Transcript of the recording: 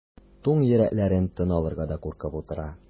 Туң йөрәклеләр тын алырга да куркып утыра.